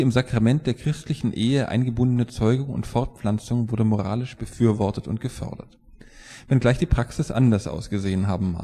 Sakrament der christlichen Ehe eingebundene Zeugung und Fortpflanzung wurde moralisch befürwortet und gefördert, wenngleich die Praxis anders ausgesehen haben